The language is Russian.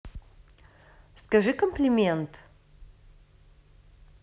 скажи комплимент